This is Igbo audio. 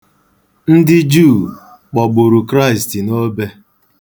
Ndị Juu kpọgburu Kraịst n'obe.